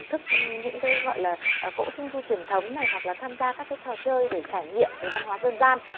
thức những cái gọi là à cỗ trung thu truyền thống này hoặc là tham gia các trò chơi để trải nghiệm về văn hóa dân gian